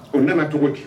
O nana cogo di